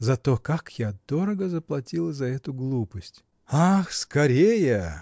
Зато как я дорого заплатила за эту глупость!. — Ах, скорее!